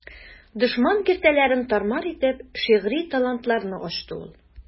Дошман киртәләрен тар-мар итеп, шигъри талантларны ачты ул.